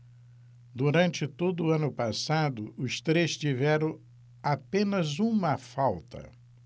durante todo o ano passado os três tiveram apenas uma falta